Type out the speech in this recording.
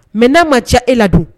Mɛ n nea ma cɛ e la dun